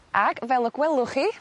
Ag fel y gwelwch chi